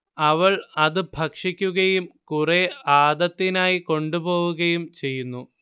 അവൾ അതു ഭക്ഷിക്കുകയും കുറേ ആദത്തിനായി കൊണ്ടുപോവുകയും ചെയ്യുന്നു